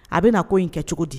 A bɛna na ko in kɛ cogo di